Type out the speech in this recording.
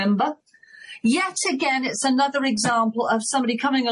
member, yet again it's another example of somebody coming